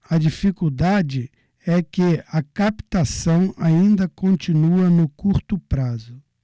a dificuldade é que a captação ainda continua no curto prazo